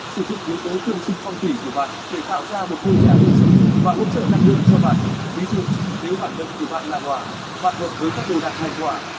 sử dụng yếu tố tương sinh phong thủy của bạn để tạo ra một ngôi nhà nuôi dưỡng và hỗ trợ năng lượng cho bạn ví dụ nếu bản mệnh của bạn là hỏa bạn hợp với các đồ đạc hành hỏa